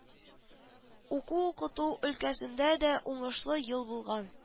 Уку-укыту өлкәсендә дә уңышлы ел булган